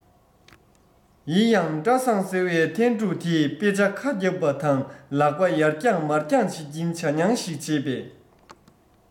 ཡིན ཡང བཀྲ བཟང ཟེར བའི ཐན ཕྲུག དེས དཔེ ཆ ཁ བརྒྱབ པ དང ལག པ ཡར བརྐྱངས མར བརྐྱངས བྱེད ཀྱིན བྱ རྨྱང ཞིག བྱེད པས